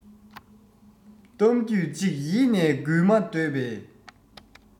གཏམ རྒྱུད ཅིག ཡིད ནས སྒུལ མ འདོད པས